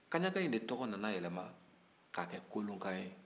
kaɲakan de tɔgɔ nana yɛlɛma ni k'a kɛ kolonkan ye